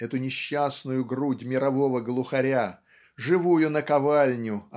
эту несчастную грудь мирового глухаря живую наковальню